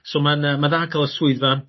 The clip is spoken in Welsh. So ma'n yy ma' dda ga'l y swyddfa